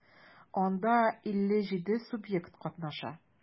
Анда 57 субъект катнаша.